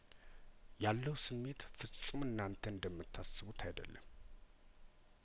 ያለው ስሜት ፍጹም እናንተ እንደምታ ስቡት አይደለም